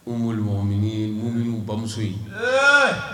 N' mɔgɔ nunu bamuso ye